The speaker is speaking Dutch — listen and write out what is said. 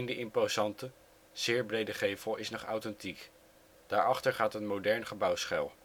imposante, zeer brede gevel is nog authentiek; daarachter gaat een modern gebouw schuil